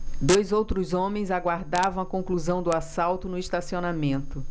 dois outros homens aguardavam a conclusão do assalto no estacionamento